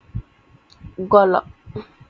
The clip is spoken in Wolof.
Golo.